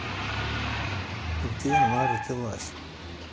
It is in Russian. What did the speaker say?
где она родилась